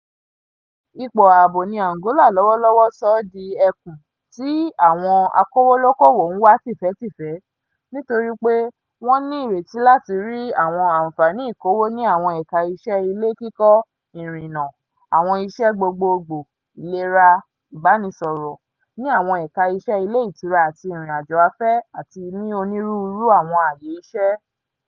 Ipò ààbò ní Angola lọ́wọ́lọ́wọ́ sọ ọ́ di ẹkùn tí àwọn akówólókòwò ń wá tìfẹ́tìfẹ́, nítorí pé wọ́n ní ìrètí láti rí àwọn àǹfààní ìkówó ní àwọn ẹ̀ka iṣẹ́ ilé kíkọ́, ìrìnnà, àwọn iṣẹ́ gbogboogbò, ilera, ìbánisọ̀rọ̀, ní àwọn ẹ̀ka iṣẹ́ ilé ìtura àti ìrìnàjò afẹ́ àti ní onírúurú àwọn àyè iṣẹ́".